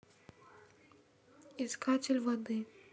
искатель воды